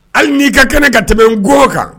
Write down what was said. Hali n'i ka kɛnɛ ka tɛmɛ n ga kan